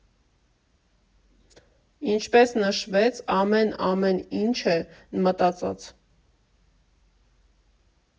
Ինչպես նշվեց՝ ամեն֊ամեն ինչ է մտածած։